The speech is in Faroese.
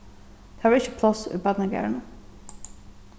tað var ikki pláss í barnagarðinum